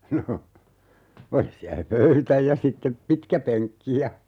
no oli siellä se pöytä ja sitten pitkäpenkki ja